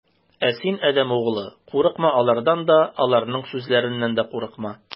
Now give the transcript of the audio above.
Ә син, адәм углы, курыкма алардан да, аларның сүзләреннән дә курыкма.